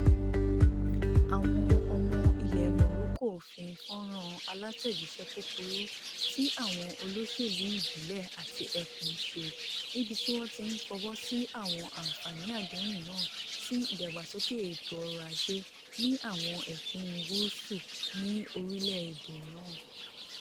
Àwọn ọmọ ilẹ̀ Morocco fi fọ́nràn alátẹ̀jíṣẹ́ kúkúrú tí àwọn olóṣèlú ìbílẹ̀ àti ẹkùn ṣe níbi tí wọ́n ti ń fọwọ́ sí àwọn àǹfààní àdéhùn náà sí ìdàgbàsókè ètò ọrọ̀-ajé ní "àwọn ẹkùn gúúsù" ní orílẹ̀-èdè náà.